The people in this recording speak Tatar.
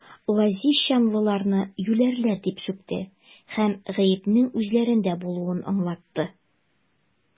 Лозищанлыларны юләрләр дип сүкте һәм гаепнең үзләрендә булуын аңлатты.